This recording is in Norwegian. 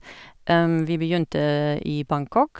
Vi begynte i Bangkok.